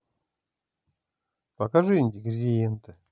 покажи ингридиенты